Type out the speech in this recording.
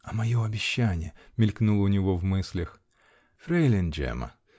"А мое обещание!" -- мелькнуло у него в мыслях. -- Фрейлейн Джемма.